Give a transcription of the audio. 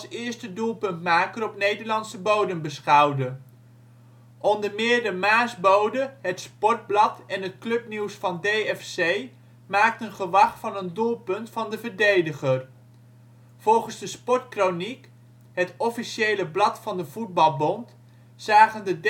eerste doelpuntmaker op Nederlandse bodem beschouwde. Onder meer de Maasbode, Het Sportblad en het Clubnieuws van D.F.C. maakten gewag van een doelpunt van de verdediger. Volgens de Sportkroniek, het officiële blad van de voetbalbond, zagen de